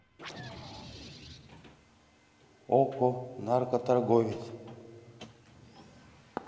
okko наркоторговец